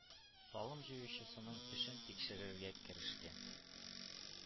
Салым җыючысының эшен тикшерергә керешкән.